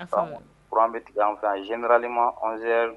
Kuran an bɛ tigɛ an fɛ yan zrli ma anz